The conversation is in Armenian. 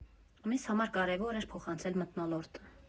Մեզ համար կարևոր էր փոխանցել մթնոլորտը»։